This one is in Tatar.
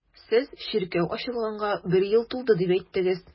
Сез чиркәү ачылганга бер ел тулды дип әйттегез.